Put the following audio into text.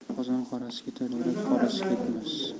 qozon qorasi ketar yurak qorasi ketmas